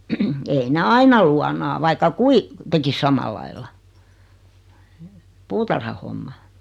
ei ne aina luonaa vaikka kuinka tekisi samalla lailla puutarhahomma